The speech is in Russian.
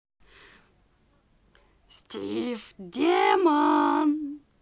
steve демон